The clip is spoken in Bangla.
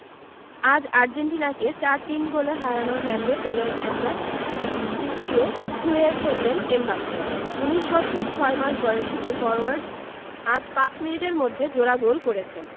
আজ আর্জেন্টিনাকে ৪ ৩ গোলে হারানোর ম্যাচে পেলের একটা কীর্তিও ছুঁয়ে ফেললেন এমবাপ্পে ১৯ বছর ৬ মাস বয়সী এই ফরোয়ার্ড আজ ৫ মিনিটের মধ্যে জোড়া গোল করেছেন